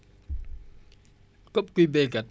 képp kuy béykat